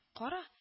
Кара